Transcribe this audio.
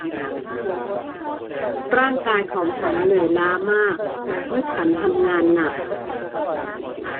ร่างกายของฉันเหนื่อยล้ามากเพราะฉันทำงานหนัก